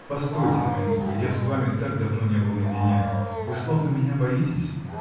-- Постойте на минуту; я с вами так давно не был наедине. Вы словно меня боитесь.